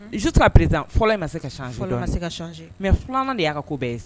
Suturaered fɔlɔ in ma se ka se ka mɛ filanan de y'a ka ko bɛɛ ye